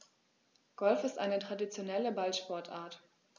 Golf ist eine traditionelle Ballsportart.